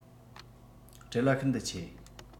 བྲེལ བ ཤིན ཏུ ཆེ